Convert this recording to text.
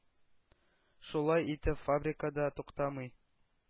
Шулай итеп, фабрика да туктамый,